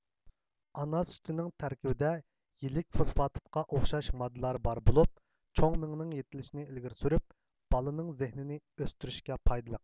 ئانا سۈتىنىڭ تەركىبىدە يىلىك فوسفاتىدقا ئوخشاش ماددىلار بار بولۇپ چوڭ مېڭىنىڭ يېتىلىشىنى ئىلگىرى سۈرۇپ بالىنىڭ زېھنىنى ئۆستۈرۈشكە پايدىلىق